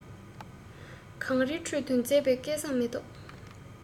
གངས རིའི ཁྲོད དུ མཛེས པའི སྐལ བཟང མེ ཏོག